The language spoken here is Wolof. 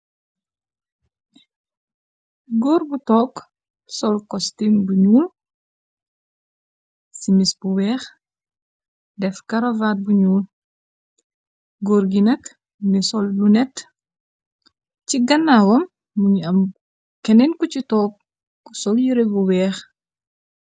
Góor bu took sol kostim bu ñuul si mis bu weex def karavaat bu ñuul góor ginak ni sol lu nett ci ganaawam muñu am keneen ko ci took u sol yire bu weex.